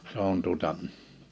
se on tuota